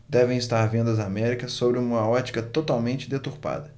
devem estar vendo as américas sob uma ótica totalmente deturpada